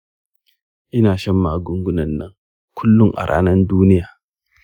ina shan magungunan nan kullun ranan duniya.